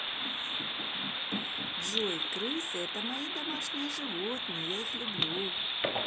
джой крысы это мои домашние животные я их люблю